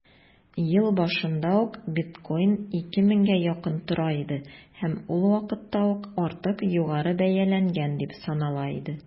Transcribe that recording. Ел башында ук биткоин 2 меңгә якын тора иде һәм ул вакытта ук артык югары бәяләнгән дип санала иде.